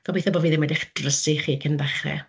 Gobeithio bod fi ddim wedi'ch drysu chi cyn dechrau.